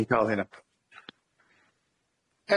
ni'n ca'l hynna.